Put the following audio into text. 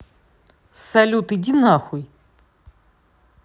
салют иди нахуй